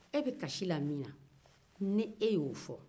e bɛ kasi la min na ni e ye o fɔ